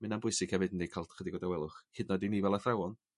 M'yna'n bwysig hefyd yndi? Ca'l chydig o dawelwch hyd 'n oed i ni fel athrawon.